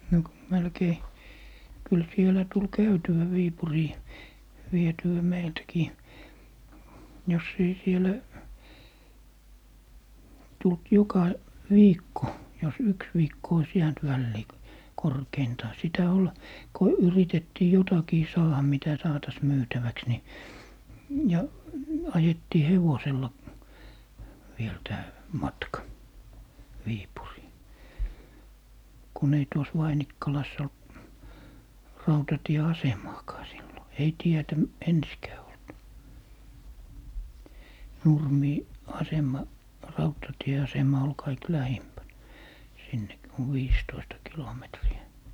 no melkein kyllä siellä tuli käytyä Viipuriin vietyä meiltäkin jos ei siellä tullut joka viikko jos yksi viikko olisi jäänyt väliin korkeintaan sitä oli kun yritettiin jotakin saada mitä saataisiin myytäväksi niin ja ajettiin hevosella vielä tämä matka Viipuriin kun ei tuossa Vainikkalassa ollut rautatieasemaakaan silloin ei tietä ensinkään ollut - asema rautatieasema oli kaikkein lähimpänä sinne on viisitoista kilometriä